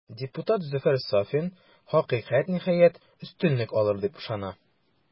Депутат Зөфәр Сафин, хакыйкать, ниһаять, өстенлек алыр, дип ышана.